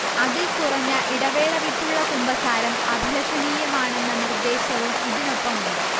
അതിൽ കുറഞ്ഞ ഇടവേളവിട്ടുള്ള കുമ്പസാരം അഭിലഷണീയമാണെന്ന നിർദ്ദേശവും ഇതിനൊപ്പമുണ്ട്